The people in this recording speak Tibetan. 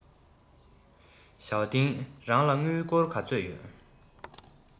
ཞའོ ཏིང རང ལ དངུལ སྒོར ག ཚོད ཡོད